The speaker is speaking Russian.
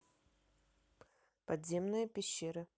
подземные пещеры